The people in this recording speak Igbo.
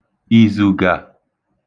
ìzùgà